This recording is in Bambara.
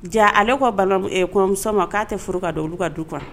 Jaa ale ka banamuso ma k'a tɛ furu' don olu ka du kɔnɔ